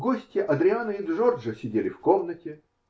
Гостья, Адриана и Джорджо сидели в комнате.